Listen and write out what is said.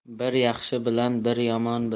bir yaxshi bilan bir